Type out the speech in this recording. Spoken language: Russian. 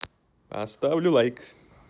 поставлю лайк